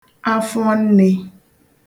afọnnē